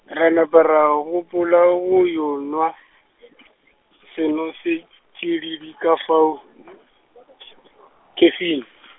ra napa ra gopola go yo nwa , senosetšididi ka fao , khefing.